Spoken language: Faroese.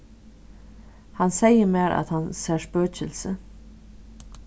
hann segði mær at hann sær spøkilsi